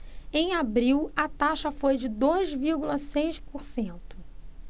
em abril a taxa foi de dois vírgula seis por cento